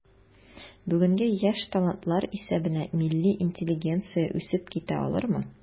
Бүгенге яшь талантлар исәбенә милли интеллигенция үсеп китә алырмы?